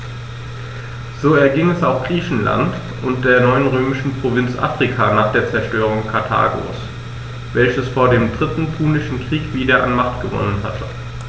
So erging es auch Griechenland und der neuen römischen Provinz Afrika nach der Zerstörung Karthagos, welches vor dem Dritten Punischen Krieg wieder an Macht gewonnen hatte.